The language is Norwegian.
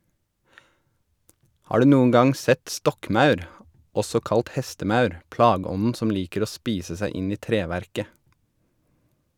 Har du noen gang sett stokkmaur , også kalt hestemaur, plageånden som liker å spise seg inn i treverket?